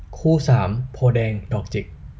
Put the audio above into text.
คู่สามโพธิ์แดงดอกจิก